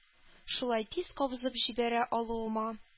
Шулай тиз кабызып җибәрә алуыма,